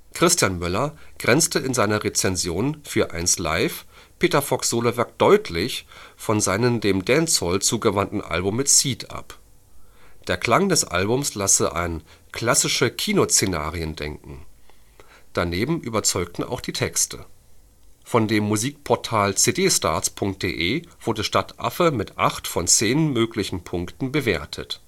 Christian Möller grenzte in seiner Rezension für 1 Live Peter Fox ' Solowerk deutlich von seinen dem Dancehall zugewandten Alben mit Seeed ab. Der Klang des Albums lasse an „ klassische Kino-Szenarien denken “, daneben überzeugten „ auch die Texte “. Von dem Musikportal CDSTARTS.de wurde Stadtaffe mit acht von zehn möglichen Punkten bewertet